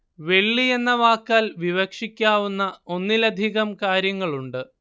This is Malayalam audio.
വെള്ളി എന്ന വാക്കാൽ വിവക്ഷിക്കാവുന്ന ഒന്നിലധികം കാര്യങ്ങളുണ്ട്